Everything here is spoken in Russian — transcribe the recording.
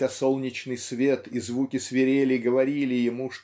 хотя солнечный свет и звуки свирели говорили ему